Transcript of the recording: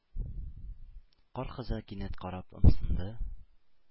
Кар кызы, кинәт карап, ымсынды,